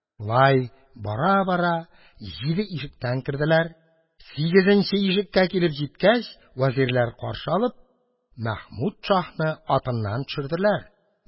Шулай бара-бара, җиде ишектән керделәр, сигезенче ишеккә килеп җиткәч, вәзирләр каршы алып, Мәхмүд шаһны атыннан төшерделәр.